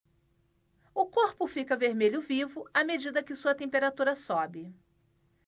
o corpo fica vermelho vivo à medida que sua temperatura sobe